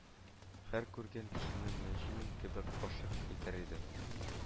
Һәр күргән кешене мәҗнүн кебек гашыйк итәр иде